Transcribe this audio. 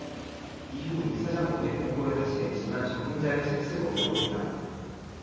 이후 이사장 모집 공고를 다시 냈지만 적임자를 찾지 못하고 있다